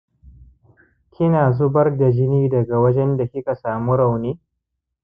kina zubar da jini daga wajen da kika samu rauni